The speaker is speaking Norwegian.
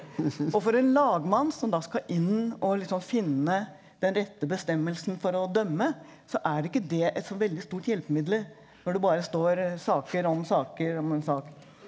og for en lagmann som da skal inn og liksom finne den rette bestemmelsen for å dømme så er ikke det et så veldig stort hjelpemiddel når du bare står saker om saker om en sak.